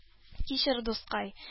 — кичер, дускай